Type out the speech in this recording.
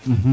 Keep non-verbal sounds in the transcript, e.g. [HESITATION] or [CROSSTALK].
[HESITATION] [HESITATION]